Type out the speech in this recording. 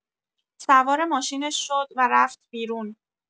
سوار ماشینش شد و رفت بیرون.